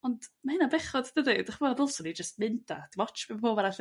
Ond ma' hynna'n bechod dydi? 'dach ch'mod dylswn jyst mynd a dim ots be' ma' bowb arall